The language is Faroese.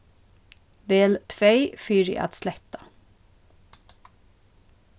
vel tvey fyri at sletta